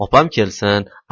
opam kelsin